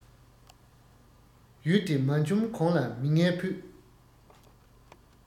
ཡུལ བདེ མ འཁྱོམས གོང ལ མི ངན ཕུད